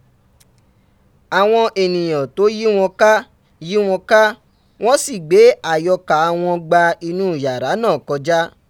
Àwọn èèyàn tó yí wọn ká yí wọn ká, wọ́n sì gbé àyọkà wọn gba inú yàrá náà kọjá.